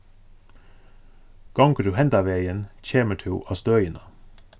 gongur tú hendan vegin kemur tú á støðina